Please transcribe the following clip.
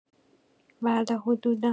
بله حدودا